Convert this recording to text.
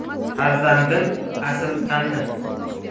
farzandim asal qandim